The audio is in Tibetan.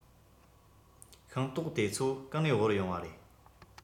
ཤིང ཏོག དེ ཚོ གང ནས དབོར ཡོང བ རེད